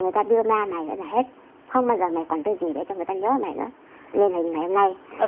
người ta đưa ma mày nữa là hết không bao giờ mày còn cái gì để cho người ta nhớ mày nữa nên nà ngày hôm nay